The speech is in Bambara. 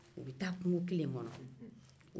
u bɛ taa kungo kelen kɔnɔ